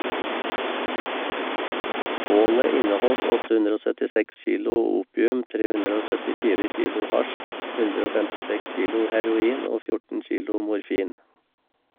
Bålet inneholdt 876 kilo opium, 374 kilo hasj, 156 kilo heroin og 14 kilo morfin.